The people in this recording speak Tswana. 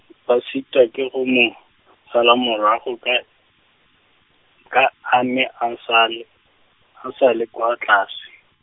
ba sitwa ke go mo, sala morago ka, ka a ne a sa le, a sa le kwa tlase.